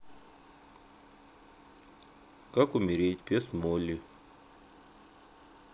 как умереть пес молли